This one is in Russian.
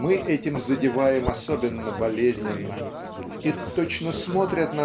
мы этим задеваем особенно болезненно и точно смотря!